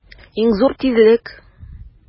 Иң зур тизлек!